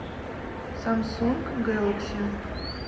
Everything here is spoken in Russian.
самсунг гелекси